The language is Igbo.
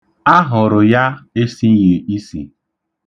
Ahụrụ ya esighi isi.